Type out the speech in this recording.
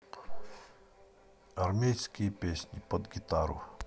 армейские песни под гитару